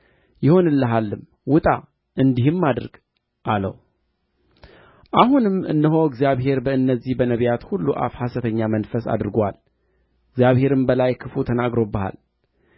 ይሆንልሃልም ውጣ እንዲሁም አድርግ አለ አሁንም እነሆ እግዚአብሔር በእነዚህ በነቢያትህ ሁሉ አፍ ሐሰተኛ መንፈስ አድርጎአል እግዚአብሔርም በላይህ ክፉ ተናግሮብሃል